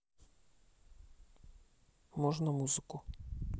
можно музыку